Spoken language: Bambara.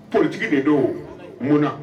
Politigi de don mun na